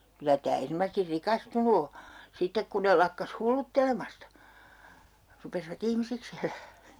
kyllä tämä erinomaisesti rikastunut on sitten kun ne lakkasi hulluttelemasta rupesivat ihmisiksi elämään